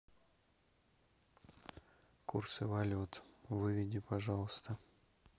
курсы валют выведи пожалуйста